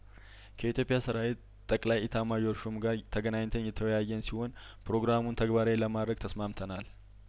ከኢትዮጵያ ሰራዊት ጠቅላይኤታማዦር ሹም ጋር ተገናኝተን የተወያየን ሲሆን ፕሮግራሙን ተግባራዊ ለማድረግ ተስማምተናል